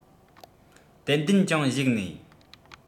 ཏན ཏན ཅུང གཞིགས ནས